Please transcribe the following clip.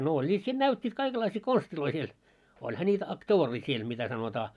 no olivat siinä näyttäneet kaikenlaisia konsteja siellä olihan niitä aktooria siellä mitä sanotaan